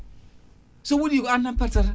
so wuuɗi ko antan pertata